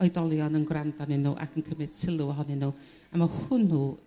oedolion yn gwrando arnyn nhw ac yn cym'yd sylw ohonyn nhw a ma' hwnnw